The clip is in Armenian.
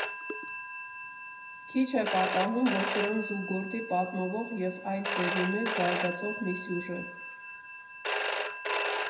Քիչ է պատահում, որ սրան զուգորդի պատմվող և այս ձևի մեջ զարգացող մի սյուժե։